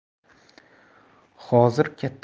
hozir katta janjal